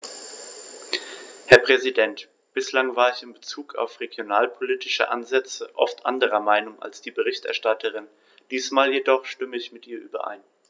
Herr Präsident, bislang war ich in bezug auf regionalpolitische Ansätze oft anderer Meinung als die Berichterstatterin, diesmal jedoch stimme ich mit ihr überein.